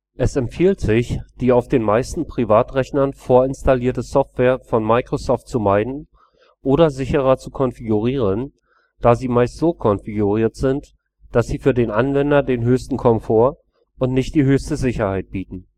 Es empfiehlt sich, die auf den meisten Privatrechnern vorinstallierte Software von Microsoft zu meiden oder sicherer zu konfigurieren, da sie meist so konfiguriert sind, dass sie für den Anwender den höchsten Komfort und nicht die höchste Sicherheit bieten